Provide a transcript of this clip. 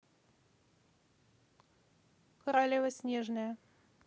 королева снежная